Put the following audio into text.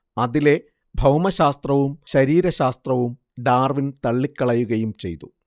അതിലെ ഭൗമശാസ്ത്രവും ശരീരശാസ്ത്രവും ഡാർവിൻ തള്ളിക്കളയുകയും ചെയ്തു